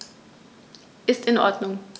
Ist in Ordnung.